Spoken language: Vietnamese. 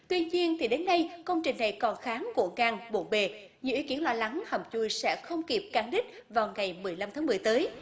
tuy nhiên thì đến nay công trình này còn khá ngổn ngang bộn bề nhiều ý kiến lo lắng hầm chui sẽ không kịp cán đích vào ngày mười lăm tháng mười tới